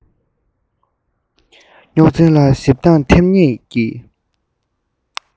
སྙོག འཛིང ལ ཞིབ འདང ཐེབས ངེས ཀྱི